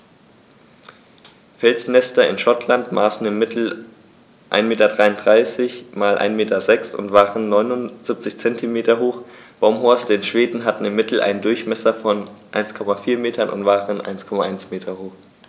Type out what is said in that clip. Felsnester in Schottland maßen im Mittel 1,33 m x 1,06 m und waren 0,79 m hoch, Baumhorste in Schweden hatten im Mittel einen Durchmesser von 1,4 m und waren 1,1 m hoch.